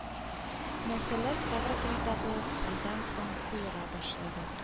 Мәсьәлә Ставропольдагы хәлдән соң куера башлады